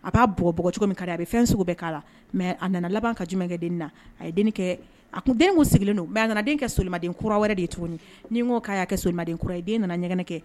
A b'a bɔɔgɔ cogo min a bɛ fɛn segu bɛɛ k'a la mɛ a nana laban ka jumkɛ den na a ye a kun den ko sigilen don a nana den kɛ solimadenkura wɛrɛ de ye tuguni ni ko ka y'a kɛlimaden kura ye den nana ɲɛgɛn kɛ